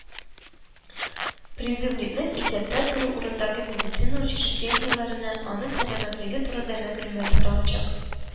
“призывникның исәптә тору урындагы медицина учреждениеләреннән аның сәламәтлеге турында мәгълүмат соралачак